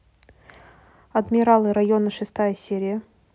адмиралы района шестая серия